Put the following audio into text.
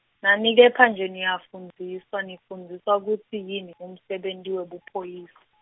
nani kepha nje niyafundziswa, nifundziswa kutsi yini umsebenti webuphoyis- .